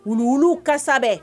Wulu wulu kasɛ